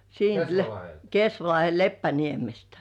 siitä Kesvalahden Leppäniemestä